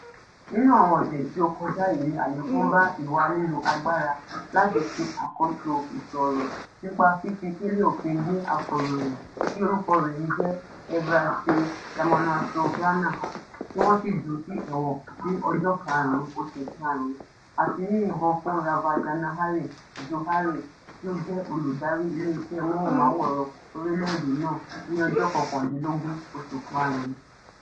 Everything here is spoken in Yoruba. Nínú àwọn ọ̀sẹ̀ tí ó kọjá yìí ni àlékún bá ìwà lílo agbára láti ṣe àkóso ìṣọ̀rọ̀, nípa fífi kélé òfin gbé akọ̀ròyìn tí orúkọ rẹ̀ ń jẹ́ Evariste Ramanatsoavina, tí wọ́n sì jù ú sí ẹ̀wọ̀n ní ọjọ́ karùn-ún oṣù karùn-ún, àti yíyìnbọ̀n fún Ravoajanahary Johary, tí ó jẹ́ olùdarí ilé iṣẹ́ móhùnmáwòràn orílẹ̀ èdè náà ní ọjọ́ kọkàndínlógún oṣù karùn-ún.